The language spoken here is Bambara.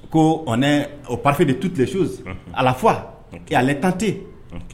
Ko o pafe de tu tɛ su ala fɔ ale tate